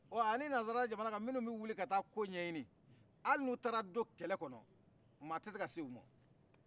ɔ ali nazara jamana kan minu bɛ wili ka taa ko ɲɛɲini ali n'u taara do kɛlɛ kɔnɔ ma tɛ se ka s'uua